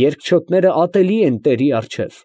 Երկչոտները ատելի են տերի առջև։